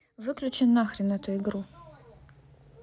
выключи нахрен эту игру